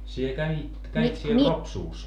sinä kävit kävit siellä Ropsussa